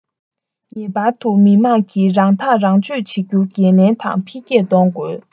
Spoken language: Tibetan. ངེས པར དུ མི དམངས ཀྱིས རང ཐག རང གཅོད བྱ རྒྱུ འགན ལེན དང འཕེལ རྒྱས གཏོང དགོས